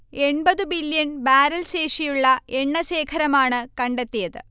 എൺപതു billion barrel ശേഷിയുള്ള എണ്ണശേഖരമാണ് കണ്ടെത്തിയത്